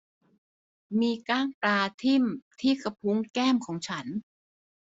มีก้างปลาทิ่มที่กระพุ้งแก้มของฉัน